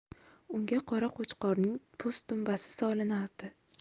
unga qora qo'chqorning po'stdumbasi solinardi